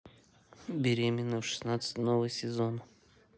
беременна в шестнадцать новый сезон